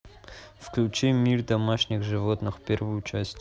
включи мир домашних животных первую часть